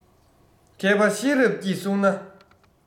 མཁས པ ཤེས རབ ཀྱིས བསྲུང ན